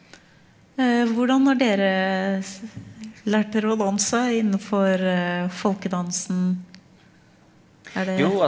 hvordan har dere lært dere å danse innenfor folkedansen, er det?